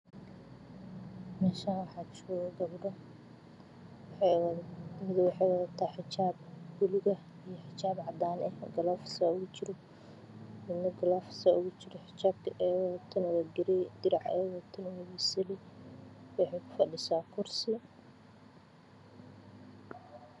Meeshaan waxaa joogo gabdho midi waxay wadataa xijaab buluug ah iyo xijaab cadaan ah, midna galoofis ayaa ugu jiro xijaab keedu waa garee diracuna waa basali waxay kufadhisaa kursi.